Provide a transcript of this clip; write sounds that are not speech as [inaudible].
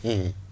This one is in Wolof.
[hesitation] [hesitation]